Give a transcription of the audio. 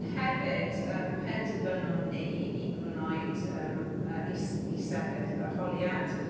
Hefyd yym penderfynon ni i gwneud... yym yy i s- i sefyll arholiad.